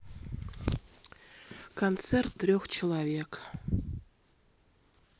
концерт трех человек